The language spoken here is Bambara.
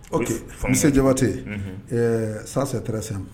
Ok faamuya monsieur Diabate unhun ɛɛ ça c'est très simple